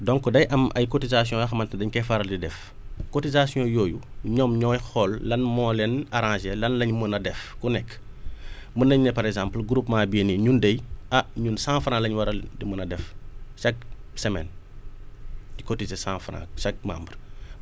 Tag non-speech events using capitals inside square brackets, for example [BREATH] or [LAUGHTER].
donc day am ay cotisations yoo xamante dañ koy faral di def cotisations yooyu ñoom ñooy xool lan moo leen arranger lan lañ mun a def ku nekk [BREATH] mun nañ ne par exemple groupement bi nii ñun de ah ñun cent franc la ñu war a di mun a def chaque semaine di cotiser cent franc chaque membre [BREATH]